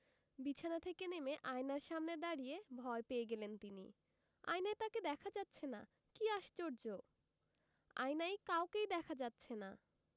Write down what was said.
বিছানা থেকে নেমে আয়নার সামনে দাঁড়িয়ে ভয় পেয়ে গেলেন তিনি আয়নায় তাঁকে দেখা যাচ্ছে না কী আশ্চর্য আয়নায় কাউকেই দেখা যাচ্ছে না